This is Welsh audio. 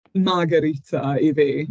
Margherita i fi.